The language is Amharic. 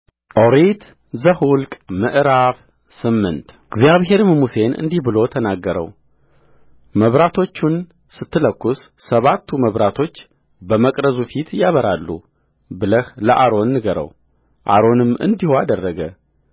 ኦሪት ዘኍልቍ ምዕራፍ ስምንት እግዚአብሔርም ሙሴን እንዲህ ብሎ ተናገረውመብራቶቹን ስትለኵስ ሰባቱ መብራቶች በመቅረዙ ፊት ያበራሉ ብለህ ለአሮን ንገረውአሮንም እንዲሁ አደረገ